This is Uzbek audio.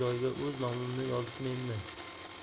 joyiga o'z nomimni yozibmenmi